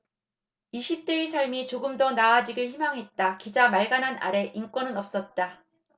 이십 대의 삶이 조금 더 나아지길 희망했다 기자 말가난 아래 인권은 없었다